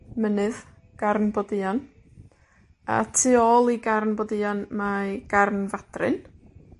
mynydd, Garn Bodeuon, a tu ôl i Garn Bodeuon, mae Garn Fadryn.